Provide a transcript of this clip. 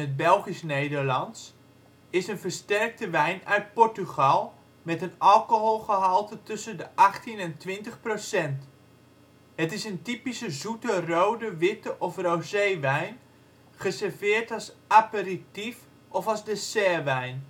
Belgisch-Nederlands) is een versterkte wijn uit Portugal, met een alcoholgehalte tussen 18 en 20 procent. Het is een typische zoete rode, witte of rosé wijn, geserveerd als aperitief of als dessertwijn